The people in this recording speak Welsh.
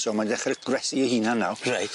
So mae'n dechre gwresi 'i hunan nawr. Reit.